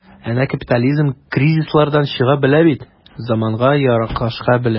Әнә капитализм кризислардан чыга белә бит, заманга яраклаша белә.